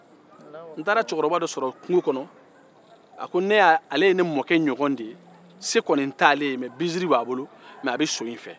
n taara cɛkɛrɔba dɔ sɔrɔ kungo kɔnɔ a ne y'a-ale ye ne mɔkɛ ɲɔgɔn de ye se kɔni t'ale nka binsiri b'a bolo mɛ a bɛ so in fɛ